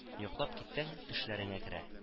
Йоклап китсәң, төшләреңә керә